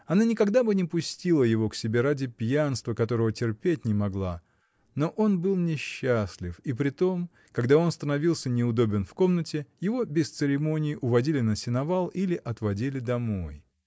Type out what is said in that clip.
Она никогда бы не пустила его к себе ради пьянства, которого терпеть не могла, но он был несчастлив, и притом, когда он становился неудобен в комнате, его без церемонии уводили на сеновал или отводили домой.